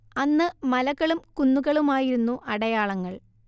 അന്ന്‌ മലകളും കുന്നുകളുമായിരുന്നു അടയാളങ്ങൾ